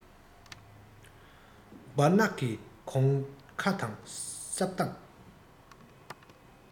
སྦིར ནག གི གོང ཁ དང སྲབ གདང